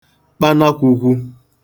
kpanakwūkwū